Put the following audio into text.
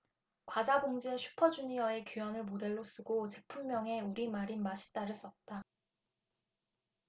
과자 봉지에 슈퍼주니어의 규현을 모델로 쓰고 제품명에 우리말인 맛있다를 썼다